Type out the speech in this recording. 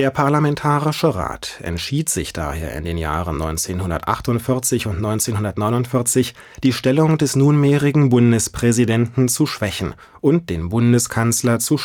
Parlamentarische Rat entschied sich daher in den Jahren 1948 und 1949, die Stellung des nunmehrigen Bundespräsidenten zu schwächen und den Bundeskanzler zu